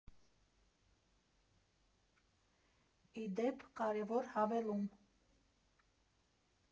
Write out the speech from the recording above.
Ի դեպ, կարևոր հավելում.